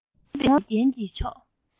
ངོམས པའི རྒྱན གྱི མཆོག